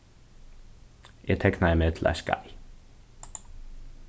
eg teknaði meg til eitt skeið